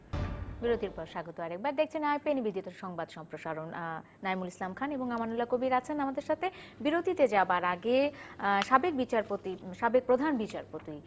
বিরতির পর স্বাগত আরেকবার দেখছেন আই পি এ নিবেদিত সংবাদ সম্প্রসারণ নাঈমুল ইসলাম খান এবং আমানুল্লাহ কবীর আছেন আমাদের সঙ্গে বিরতিতে যাওয়ার আগে সাবেক বিচারপতি সাবেক প্রধান বিচারপতি